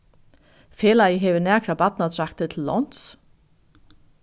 felagið hevur nakrar barnadraktir til láns